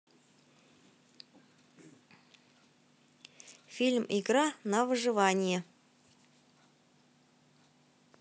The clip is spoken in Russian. фильм игра на выживание